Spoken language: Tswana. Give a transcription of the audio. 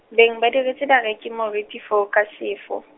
beng ba diretse bareki moriti foo ka sefo.